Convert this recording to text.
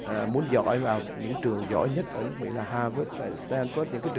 muốn giỏi vào những trường giỏi nhất ở nước mỹ là ha vớt san sớt những